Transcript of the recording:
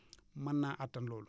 mën naa attan loolu